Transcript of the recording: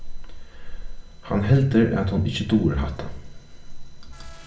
hann heldur at hon ikki dugir hatta